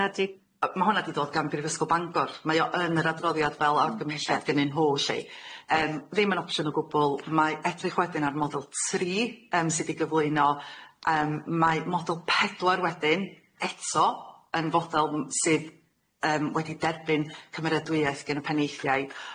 Na dim yn o- dyna di- yy ...ma' honna 'di dod gan Brifysgol Bangor mae o yn yr adroddiad fel argymhelliad gynnyn nhw, felly, yym ddim yn opsiwn o gwbwl, mae edrych wedyn ar model tri yym sy'' di gyflwyno yym mae model pedwar wedyn eto yn fodel m- sydd yym wedi derbyn cymeradwyaeth gen y Penaethiaid,